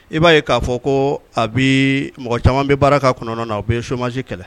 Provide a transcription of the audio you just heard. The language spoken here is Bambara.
I b'a ye k'a fɔ ko a bi mɔgɔ caman bɛ baara ka kɔnɔna na a bɛ somasi kɛlɛ